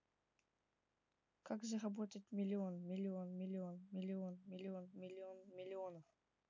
как заработать миллион миллион миллион миллион миллион миллион миллионов